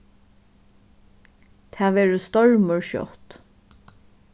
tað verður stormur skjótt